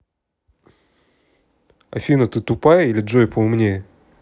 афина а ты тупая или джой поумнее